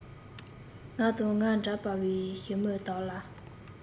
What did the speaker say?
ང དང ང འདྲ བའི ཞི མི དག ལ